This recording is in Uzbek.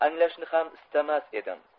anglashni ham istamas edim